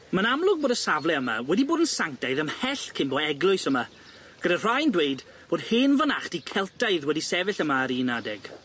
Ma'n amlwg bod y safle yma wedi bod yn sanctaidd ymhell cyn bo eglwys yma, gyda rhai'n dweud bod hen fynachdy Celtaidd wedi sefyll yma ar un adeg.